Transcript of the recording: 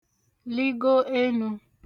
lịgo enū